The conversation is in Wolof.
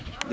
waaw